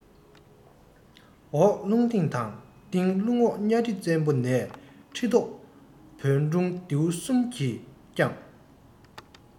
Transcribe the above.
འོག རླུང སྟེང དང སྟེང རླུང འོག གཉའ ཁྲི བཙན པོ ནས ཁྲི ཐོག བོན སྒྲུང ལྡེའུ གསུམ གྱིས བསྐྱངས